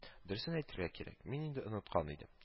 Дөресен әйтергә кирәк, мин инде оныткан идем